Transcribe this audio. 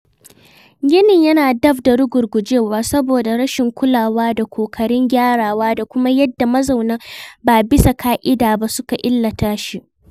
Ginin yana daf da rugujewa saboda rashin kulawa da ƙoƙarin gyarawa da kuma yadda mazauna ba bisa ƙa'ida ba suka illata shi.